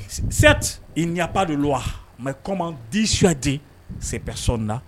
Sɛti ɲɛba de la wa mɛ kɔman disi di sɛbɛ sɔna